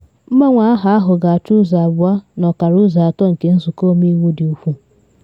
Mgbanwe aha ahụ ga-achọ ụzọ abụọ n’ọkara ụzọ atọ nke nzụkọ ọmeiwu dị ukwuu.